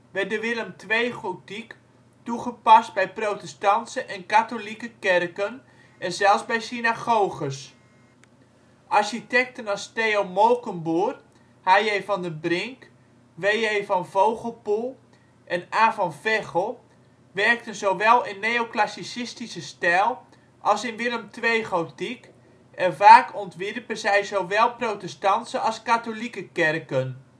werd de Willem II-gotiek toegepast bij protestantse en katholieke kerken en zelfs bij synagoges. Architecten als Theo Molkenboer, H.J. van den Brink, W.J. van Vogelpoel, en A. van Veggel werkten zowel in neoclassicistische stijl als in Willem II-gotiek en vaak ontwierpen zij zowel protestantse als katholieke kerken